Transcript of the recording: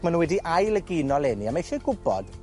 ma' nw wedi ail egino leni. A mae eisie gwbod